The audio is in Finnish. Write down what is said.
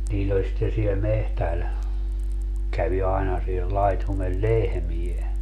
niillä oli sitten siellä metsällä kävi aina siellä laitumella lehmiä